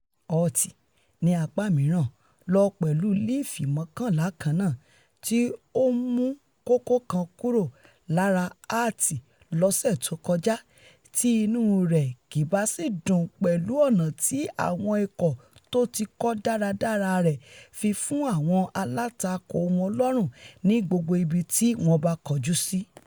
Holt, ní apá mìíràn, lọ pẹ̀lú Livi mọ́kànlá kannáà tí ó mú kókó kan kúró lára Hearts lọ́sẹ̀ tókọjá tí inú rẹ̀ kì bá sì dùn pẹ̀lú ọ̀nà tí àwọn ikọ̀ tótikọ́ dáradára rẹ̀ fi fún àwọn alátakò wọn lọ́rùn ní gbogbo ibiti wọ́n bá kọjú sí.